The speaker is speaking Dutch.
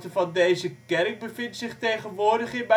van deze kerk bevindt zich tegenwoordig in